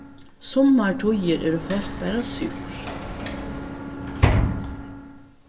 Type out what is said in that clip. summar tíðir eru fólk bara súr